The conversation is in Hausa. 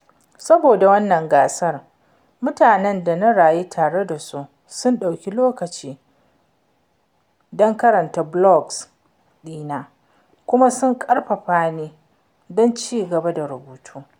Saboda wannan gasar, mutanen da na rayu tare da su sun ɗauki lokaci don karanta blog ɗina kuma sun ƙarfafa ni don ci gaba da rubutu.